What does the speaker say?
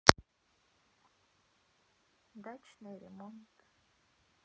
дачный ремонт